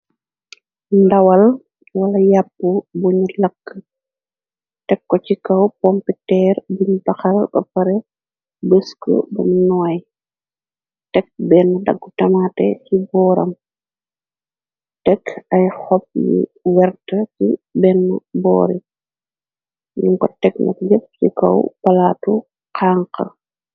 Ndawal wala yàpp buñu làkk, tekko ci kaw pompiteer buñu baxal, ba pare busk bunu nooy, tekk benn daggu tamate ci booram, tekk ay xob yu wert ci benn boore, num ko tekna jépp ci kaw palaatu xank.